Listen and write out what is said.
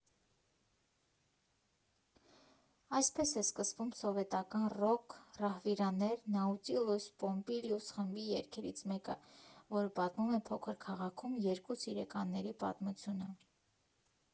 Այսպես է սկսվում սովետական ռոք֊ռահվիրաներ Նաուտիլուս Պոմպիլիուս խմբի երգերից մեկը, որը պատմում է փոքր քաղաքում երկու սիրեկանների պատմությունը։